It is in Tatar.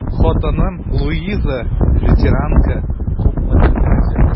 Хатыным Луиза, лютеранка, күпмедер дәрәҗәдә...